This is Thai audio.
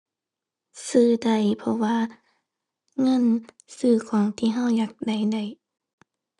ซื้อได้ เพราะว่าเงินซื้อของที่เราอยากได้ได้